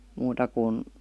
muuta kuin